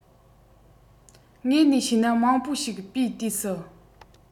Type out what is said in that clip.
དངོས ནས བྱས ན མང པོ ཞིག པའི དུས སུ